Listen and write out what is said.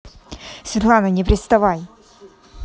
скажи светлана не приставай